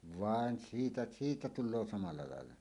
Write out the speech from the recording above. vaan siitä siitä tulee samalla lailla